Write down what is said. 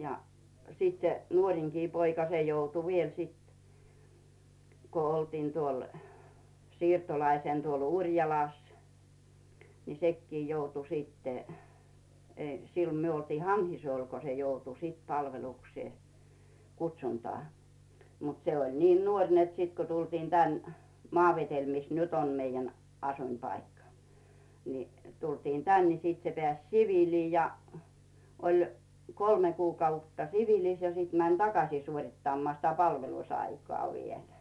ja sitten se nuorinkin poika se joutui vielä sitten kun oltiin tuolla siirtolaisena tuolla Urjalassa niin sekin joutui sitten ei silloin me oltiin Hanhisuolla kun se joutui sitten palvelukseen kutsuntaan mutta se oli niin nuori että sitten kun tultiin tänne Maavedelle missä nyt on meidän asuinpaikka niin tultiin tänne niin sitten se pääsi siviiliin ja oli kolme kuukautta siviilissä ja sitten meni takaisin suorittamaan sitä palvelusaikaa vielä